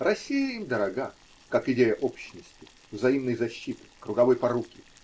Россия им дорога, как идея общности, взаимной защиты, круговой поруки